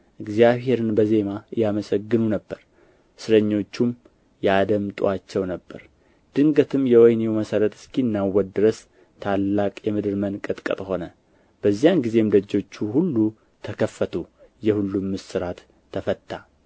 እግዚአብሔርን በዜማ ያመሰግኑ ነበር እስረኞቹም ያደምጡአቸው ነበር ድንገትም የወኅኒው መሠረት እስኪናወጥ ድረስ ታላቅ የምድር መንቀጥቀጥ ሆነ በዚያን ጊዜም ደጆቹ ሁሉ ተከፈቱ የሁሉም እስራት ተፈታ